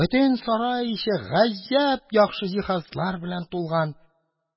Бөтен сарай эче гаҗәп яхшы җиһазлар белән тулган.